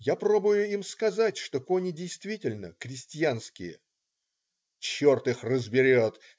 Я пробую им сказать, что кони действительно крестьянские. "Черт их разберет!